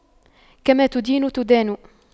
كما تدين تدان